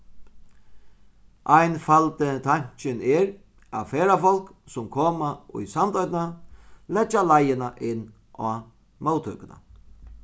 einfaldi tankin er at ferðafólk sum koma í sandoynna leggja leiðina inn á móttøkuna